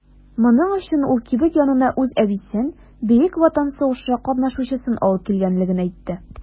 Моның өчен ул кибет янына үз әбисен - Бөек Ватан сугышы катнашучысын алып килгәнлеген әйтте.